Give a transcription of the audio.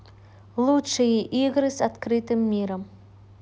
лучшие игры с открытым миром